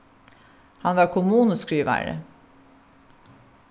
hann var kommunuskrivari